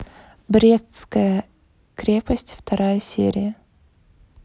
брестская крепость вторая серия